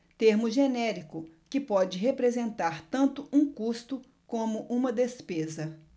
termo genérico que pode representar tanto um custo como uma despesa